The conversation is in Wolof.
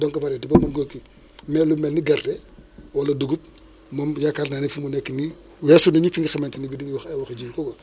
donc variété boobu da nga koy kii mais lu mel ni gerte wala dugub moom yaakaar naa ne f mu nekk nii weesu nañu fi nga xamante ne bi di wax ay waxi ji ko quoi